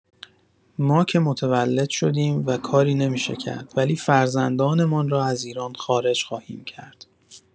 ما که متولد شدیم و کاری نمی‌شه کرد ولی فرزندانمان را از ایران خارج خواهیم کرد